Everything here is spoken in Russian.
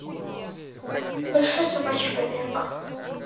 большой собачий побег